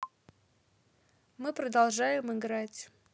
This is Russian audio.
мы продолжаем играть